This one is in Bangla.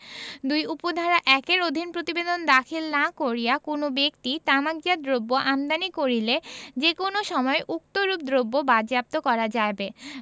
২ উপ ধারা ১ এর অধীন প্রতিবেদন দাখিল না করিয়া কোন ব্যক্তি তামাকজাত দ্রব্য আমদানি করিলে যে কোন সময় উক্তরূপ দ্রব্য বাজেয়াপ্ত করা যাইবে